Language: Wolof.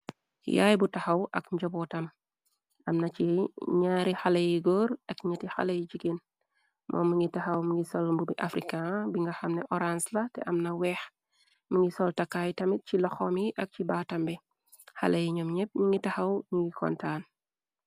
Yaay bu taxaw ak njobootam amna ci ñaari xale yi góor ak ñati xaleyi jigeen. Moo mingi taxaw mingi solmbu bi african bi nga xamne orance la. Te amna weex mingi sol takaay tamit ci loxom yi. Ak ci baatambi xalé yi ñoom ñépp ñi ngi taxaw ñuy kontaan.